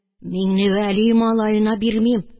Миңневәли малаена бирмим...